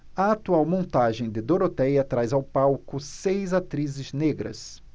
a atual montagem de dorotéia traz ao palco seis atrizes negras